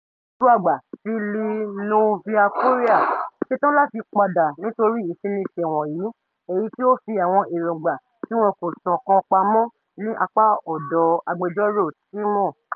Olóòtú Àgbà ti "Le Nouveau Courier" ṣetán láti padà nítorí ìfinisẹ́wọ̀n yìí èyí tí ó ń fi àwọn èróńgbà tí wọn kò sọ kan pamọ́ ní apá ọ̀dọ̀ agbẹjọ́rò Tchimou.